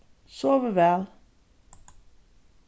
sovið væl